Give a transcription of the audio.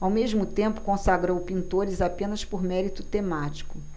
ao mesmo tempo consagrou pintores apenas por mérito temático